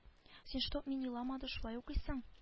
Син чтоб мин еламады шулай укыйсың